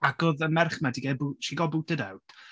Ac oedd y merch 'ma 'di gael ei bw- she got booted out.